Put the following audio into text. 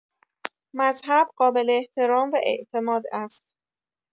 مذهب قابل‌احترام و اعتماد است.